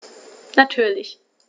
Natürlich.